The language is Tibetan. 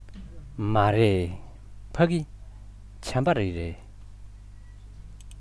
མ རེད ཕ གི བུམ པ རི རེད